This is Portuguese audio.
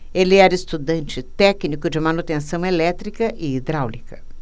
ele era estudante e técnico de manutenção elétrica e hidráulica